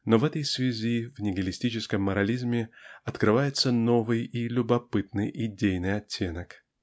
Но в этой связи в нигилистическом морализме открывается новый и любопытный идейный оттенок.